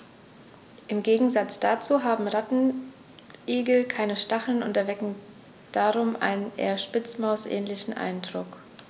Im Gegensatz dazu haben Rattenigel keine Stacheln und erwecken darum einen eher Spitzmaus-ähnlichen Eindruck.